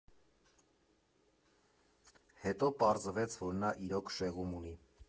Հետո պարզվեց, որ նա իրոք շեղում ունի։